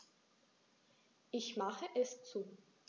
Ich mache es zu.